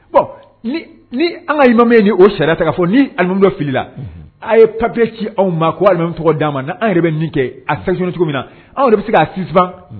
Ni an ka ɲuman min ni o sariya ta'a fɔ ni dɔ fili a ye papiye ci anw ma k' tɔgɔ d'a ma an yɛrɛ bɛ kɛ a fɛ cogo min na anw bɛ se k'